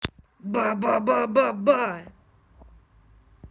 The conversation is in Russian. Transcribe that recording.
бабабабаба